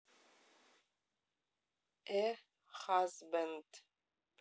э хазбэнд